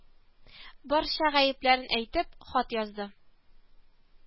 Барча гаепләрен әйтеп, хат язды